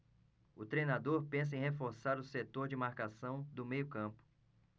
o treinador pensa em reforçar o setor de marcação do meio campo